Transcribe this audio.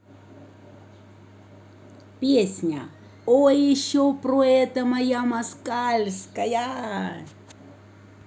песня о еще про это моя москальская